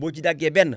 boo ci daggee benn